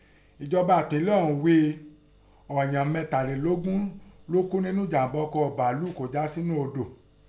Èjọba ẹpínlẹ̀ ọ̀ún ghí i ọ̀ọ̀yàn mẹ́tàélógún ló kú ńnú ẹ̀jàmbá ọkọ bàlúù kọ́ já sínúu odò.